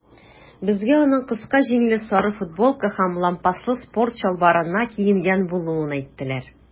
Безгә аның кыска җиңле сары футболка һәм лампаслы спорт чалбарына киенгән булуын әйттеләр.